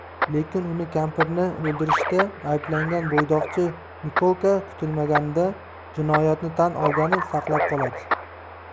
lekin uni kampirni o'ldirishda ayblangan bo'yoqchi mikolka kutilmaganda jinoyatni tan olgani saqlab qoladi